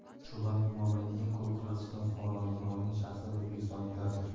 ushbu vaqt mobaynida eng ko'p qirg'iziston fuqaroligini olgan shaxslar o'zbekistonliklardir